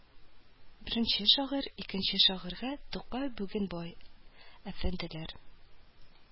Беренче шагыйрь Икенче шагыйрьгә Тукай бүген бай, әфәнделәр